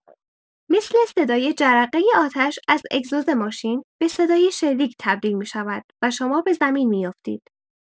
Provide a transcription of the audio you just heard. مثل صدای جرقه آتش از اگزوز ماشین به صدای شلیک تبدیل می‌شود و شما به زمین می‌افتید.